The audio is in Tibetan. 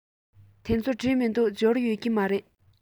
དེ ཚོ བྲིས མི འདུག འབྱོར ཡོད ཀྱི རེད